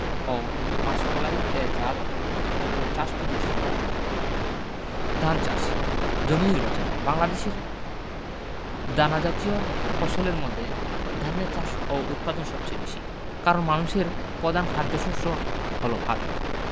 ও মাসকলাই এর জাত ও চাষ পদ্ধতি সম্পর্কে জানব ধান চাষ জমি নির্বাচনঃ বাংলাদেশের দানাজাতীয় ফসলের মধ্যে ধানের চাষ ও উৎপাদন সবচেয়ে বেশি কারন মানুষের পধান খাদ্যশস্য হলো ভাত